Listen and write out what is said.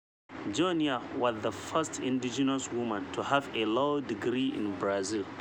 Joenia was the first indigenous woman to have a Law degree in Brazil.